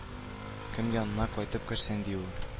Кем янына кайтып керсен ди ул